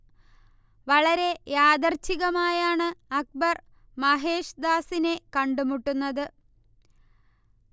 വളരെ യാദൃച്ഛികമായാണ് അക്ബർ മഹേശ് ദാസിനെ കണ്ടുമുട്ടുന്നത്